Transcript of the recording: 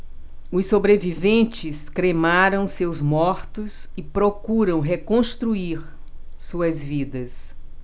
os sobreviventes cremaram seus mortos e procuram reconstruir suas vidas